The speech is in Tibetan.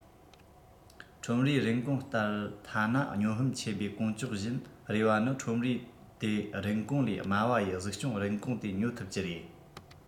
ཁྲོམ རའི རིན གོང ལྟར ཐ ན སྨྱོ ཧམ ཆེན པོས གོང བཅོག བཞིན རེ བ ནི ཁྲོམ རའི དེ རིན གོང ལས དམའ བ ཡི གཟིགས སྐྱོང རིན གོང དེ ཉོ ཐུབ ཀྱི རེད